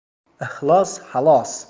ixlos xalos